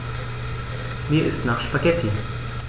Mir ist nach Spaghetti.